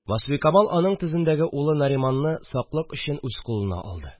Васфикамал аның тезендәге улы Нариманны саклык өчен үз алдына алды